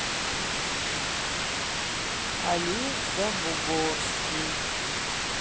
олег забугорский